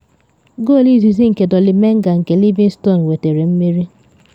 Goolu izizi nke Dolly Menga nke Livingston wetere mmeri